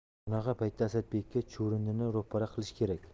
bunaqa paytda asadbekka chuvrindini ro'para qilish kerak